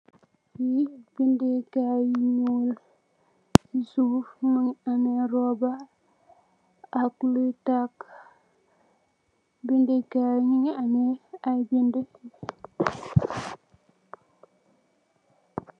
Li binde kai yu nuul si suff mogi ame roba ak loi taka binde kai mogi ame ay binda.